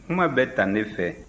kuma bɛ ta ne fɛ